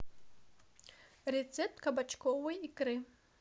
рецепт кабачковой икры